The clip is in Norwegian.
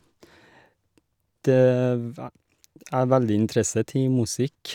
det v æ Jeg er veldig interessert i musikk.